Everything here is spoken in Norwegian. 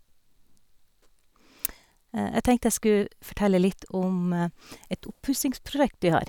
Jeg tenkte jeg skulle fortelle litt om et oppussingsprosjekt vi har.